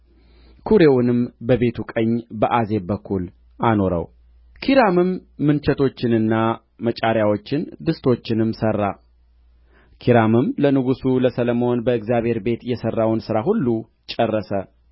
ኵሬውንም በቤቱ ቀኝ በአዜብ በኩል አኖረው ኪራምም ምንችቶችንና መጫሪያዎችን ድስቶችንም ሠራ ኪራምም ለንጉሡ ለሰሎሞን በእግዚአብሔር ቤት የሠራውን ሥራ ሁሉ ጨረሰ